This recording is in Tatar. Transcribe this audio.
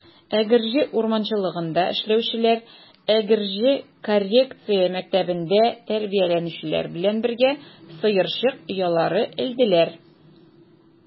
Әгерҗе урманчылыгында эшләүчеләр Әгерҗе коррекция мәктәбендә тәрбияләнүчеләр белән бергә сыерчык оялары элделәр.